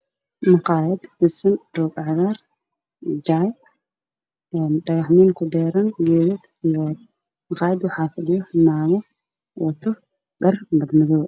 Waa maqaayad waxa fadhiyo naago wato dhar madow